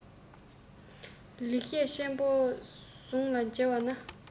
ལེགས བཤད ཆེན པོ ཟུང ལ མཇལ བ ན